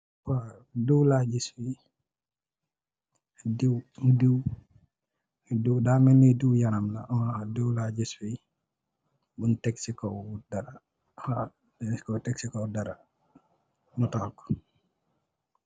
Diw la gis fi, da melni diw yaram la buñ tek si kaw dara.